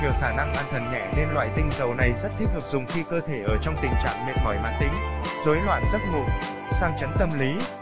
nhờ khả năng an thần nhẹ nên loại tinh dầu này rất thích hợp dùng khi cơ thể ở trong tình trạng mệt mỏi mãn tính rối loạn giấc ngủ sang chấn tâm lý